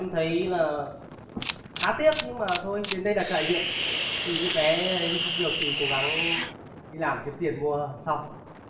em thấy là khá tiếc nhưng mà thôi đến đây là trải nghiệm thì cái vé ấy thì không được thì cố gắng đi làm kiếm tiền mua sau